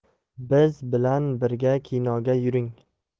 biz bilan birga kinoga yuring